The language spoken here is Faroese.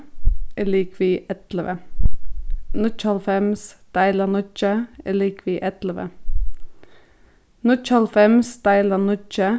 er ligvið ellivu níggjuoghálvfems deila níggju er ligvið ellivu níggjuoghálvfems deila níggju